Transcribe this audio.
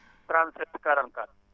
37 44